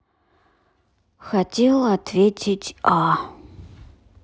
хотел ответить а